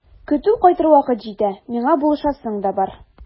Көтү кайтыр вакыт җитә, миңа булышасың да бар.